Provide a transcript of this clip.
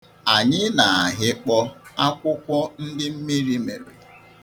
Anyị na-ahịkpọ akwụkwọ ndị mmiri mere.